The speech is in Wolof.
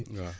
waaw